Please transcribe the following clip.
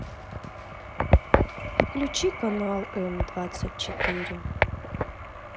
включи канал м двадцать четыре